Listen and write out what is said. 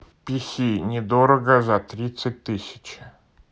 pc недорого за тридцать тысяч